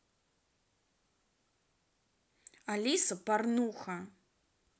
алиса порнуха